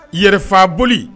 Yɛrɛfa boli!